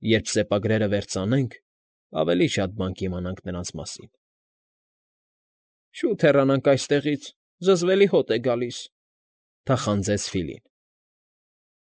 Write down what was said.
Երբ սեպագրերը վերծանենք, ավելի շատ բան կիմանանք սրանց մասին։ ֊ Շուտ հեռանանք այստեղից, զզվելի հոտ է գալիս,֊ թախանձեց Ֆիլին։